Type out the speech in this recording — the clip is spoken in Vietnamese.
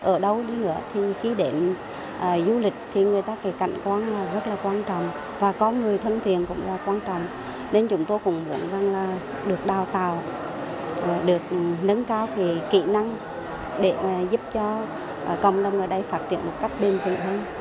ở đâu đi nữa thì khi đến à du lịch thì người ta ký cảnh quan là rất là quan trọng và con người thân thiện cũng là quan trọng nên chúng tôi cũng muốn rằng là được đào tạo được nâng cao ký kỹ năng để mà giúp cho cộng đồng ở đây phát triển một cách bền vững hơn